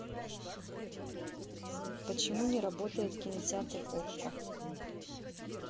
почему не работает кинотеатр okko